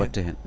watte hen